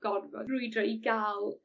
gorfod brwydro i ga'l